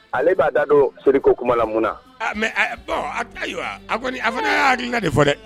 Ale b'a da don sori ko kuma la mun na mɛ bɔn ayiwa a a fana y'a ka de fɔ dɛ